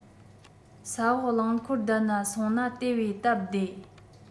ས འོག རླངས འཁོར བསྡད ནས སོང ན དེ བས སྟབས བདེ